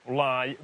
wlai